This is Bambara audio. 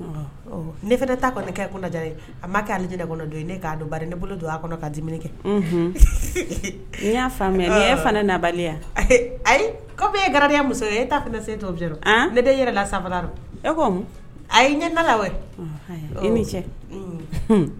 Ne ne kɔni ne kɛ koja a ma k'aled ne kɔnɔ don ne k'a don ba ne bolo don a kɔnɔ k kaa di kɛ n y'a faamuya e fana nabaliya ayi ko e ye gari muso ye e ta se tɔ ne yɛrɛla sabara e a ɲɛ na la e ni ce